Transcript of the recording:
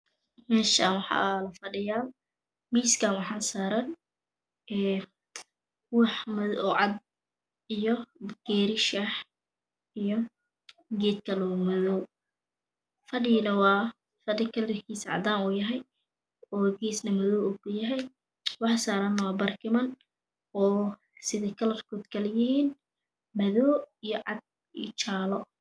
Meeshan waxaa la fadhiyaa miiskan waxaa saaran wax mado oo cad iyo bakeeri shaax ah iyo geek kalo madow fadhigana waa fadhi cadaan kalarkiisy yahay oo geesna madow ka yahay waxa saarana waa barkiman sida kalaka kala yihin waa madow cadaan iyo jaalo